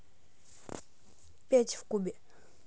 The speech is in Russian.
пять в кубе